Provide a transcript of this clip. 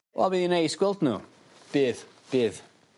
Wel by' 'i'n neis gweld n'w bydd bydd.